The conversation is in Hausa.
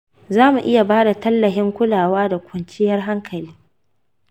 za mu iya bada tallafin kulawa da kwanciyar hankali.